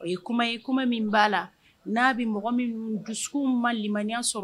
O ye kuma ye kuma min b'a la n'a bɛ mɔgɔ min sugu malilimaya sɔrɔ